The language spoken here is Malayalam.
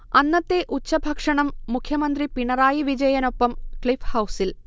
അന്നത്തെ ഉച്ചഭക്ഷണം മുഖ്യമന്ത്രി പിണറായി വിജയനൊപ്പം ക്ലിഫ്ഹൗസിൽ